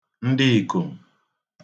ndị ikom